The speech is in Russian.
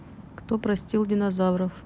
кто простил динозавров